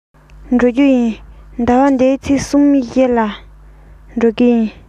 ད དུང སོང མེད ཟླ བ འདིའི ཚེས གསུམ བཞིའི གཅིག ལ འགྲོ གི ཡིན